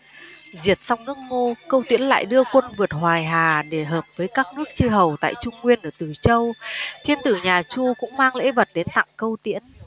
diệt xong nước ngô câu tiễn lại đưa quân vượt hoài hà để hợp với các nước chư hầu tại trung nguyên ở từ châu thiên tử nhà chu cũng mang lễ vật đến tặng câu tiễn